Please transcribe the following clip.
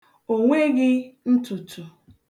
O nweghị ntutu.